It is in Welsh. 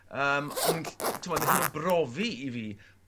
yym o'n nw'm ll- t'mod nethon n'w brofi i fi